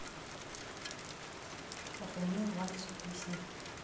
ramil' вальс песня